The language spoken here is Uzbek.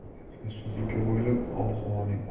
respublika bo'ylab ob havoning